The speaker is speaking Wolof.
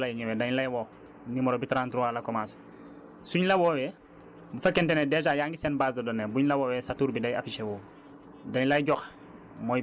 donc ñoom seen messages yi par audio lay ñëwee dañ lay woo numéro bi 33 la commencé suñ la woowee bu fekkente ne dèjà yaa ngi seen base de données buñ la wooyee sa tur bi day affiché wu